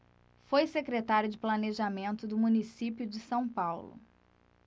foi secretário de planejamento do município de são paulo